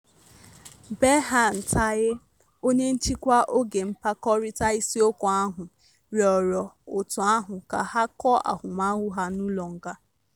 Berhan Taye, onye nchịkwa oge mkpakọrịta isiokwu ahụ, rịọrọ òtù ahụ ka ha kọọ ahụmahụ ha n'ụlọ nga.